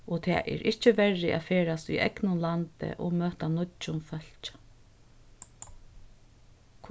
og tað er ikki verri at ferðast í egnum landi og møta nýggjum fólki